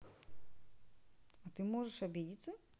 а ты можешь обидеться